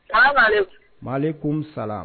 Ala'ale maliale kosa